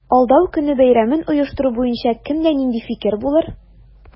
Алдау көне бәйрәмен оештыру буенча кемдә нинди фикер булыр?